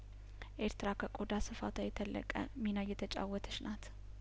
ኤርትራ ከቆዳ ስፋቷ የተለቀ ሚና እየተጫወተች ናት